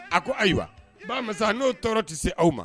A ko ayiwa ba n'o tɔɔrɔ tɛ se aw ma